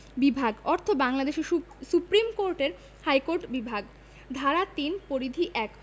বিভাগ অর্থ বাংলাদেশ সু সুপ্রীম কোর্টের হাইকোর্ট বিভাগ ধারা ৩ পরিধি ১